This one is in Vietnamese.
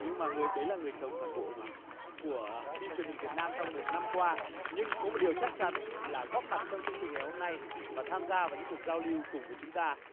nhưng mà người đấy là người chồng phản bội mà của phim truyền hình việt nam trong một năm qua nhưng có một điều chắc chắn là góp mặt trong chương trình ngày hôm nay và tham gia vào những cuộc giao lưu cùng với chúng ta